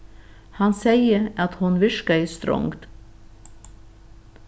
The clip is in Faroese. hann segði at hon virkaði strongd